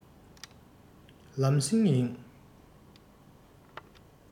ལམ སེང ཡིན